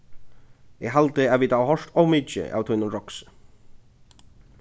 eg haldi at vit hava hoyrt ov mikið av tínum roksi